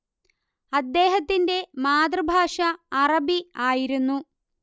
അദ്ദേഹത്തിന്റെ മാതൃഭാഷ അറബി ആയിരുന്നു